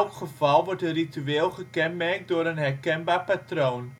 geval wordt een ritueel gekenmerkt door een herkenbaar patroon